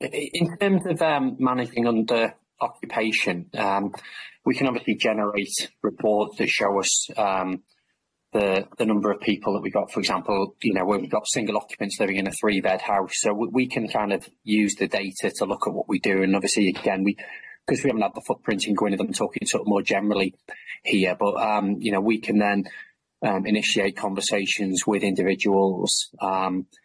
in terms of yym managing under occupation yym we can obviously generate reports that show us yym the the number of people that we've got for example you know where we've got single occupants living in a three bed house, so we can kind of use the data to look at what we do and obviously again we cause we haven't had the footprint in Gwynedd I'm talking sort of more generally here but yym you know we can then yym initiate conversations with individuals yym